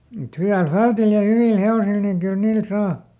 mutta hyvällä fältillä ja hyvillä hevosilla niin kyllä niillä saa